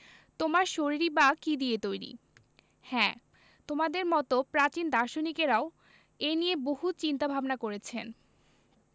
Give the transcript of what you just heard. তোমার শরীরই বা কী দিয়ে তৈরি হ্যাঁ তোমাদের মতো প্রাচীন দার্শনিকেরাও এ নিয়ে বহু চিন্তা ভাবনা করেছেন